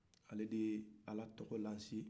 ala tɔgɔ la se